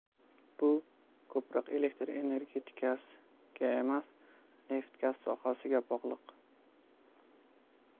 bu ko'proq elektr energetikaga emas neft gaz sohasiga bog'liq